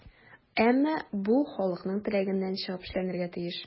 Әмма бу халыкның теләгеннән чыгып эшләнергә тиеш.